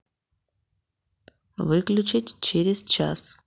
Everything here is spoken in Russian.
выключить через час